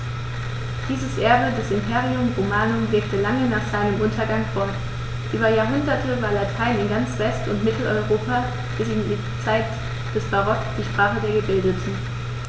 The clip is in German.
Dieses Erbe des Imperium Romanum wirkte lange nach seinem Untergang fort: Über Jahrhunderte war Latein in ganz West- und Mitteleuropa bis in die Zeit des Barock die Sprache der Gebildeten.